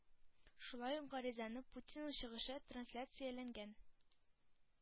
Шулай ук гаризаны Путинның чыгышы трансляцияләнгән